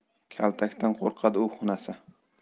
kaltakdan qo'rqadi u xunasa